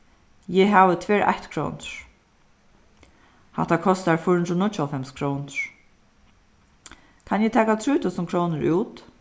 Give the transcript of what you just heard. eg havi tvær eittkrónur hatta kostar fýra hundrað og níggjuoghálvfems krónur kann eg taka trý túsund krónur út